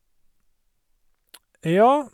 Ja.